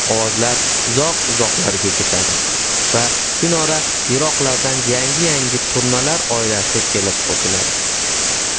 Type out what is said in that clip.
ovozlar uzoq uzoqlarga ketadi va kunora yiroqlardan yangi yangi turnalar oilasi kelib qo'shiladi